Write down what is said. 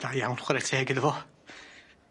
Dda iawn chwarae teg iddo fo.